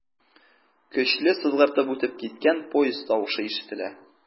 Көчле сызгыртып үтеп киткән поезд тавышы ишетелә.